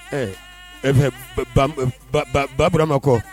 Ɛɛ baura ma kɔ